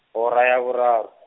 hora ya boraro.